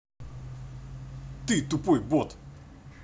ты тупой бот